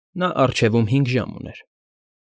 Նա առջևում հինգ ժամ ուներ։